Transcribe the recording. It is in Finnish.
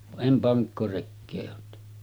vaan en pankkorekeä olet tehnyt